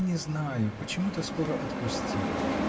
не знаю, почему-то скоро отпустили.